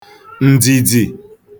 ǹdzìdzì